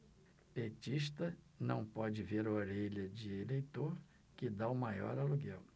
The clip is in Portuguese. petista não pode ver orelha de eleitor que tá o maior aluguel